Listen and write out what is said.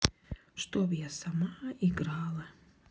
чтоб я сама играла